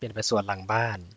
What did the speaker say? เปลี่ยนไปสวนหลังบ้าน